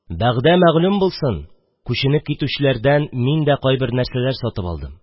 Бәгъдә мәгълүм булсын: күченеп китүчеләрдән мин дә кайбер нәрсәләр сатып алдым